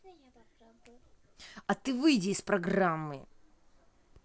а ты выйди из программы